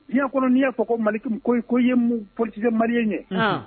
I y'a kɔni n'i y'a fɔ ko maliki ko ko ye mun polisikɛ mari ye